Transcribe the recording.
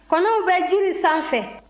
kɔnɔw bɛ jiri san fɛ